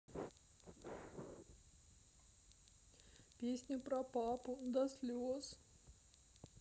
песня про папу до слез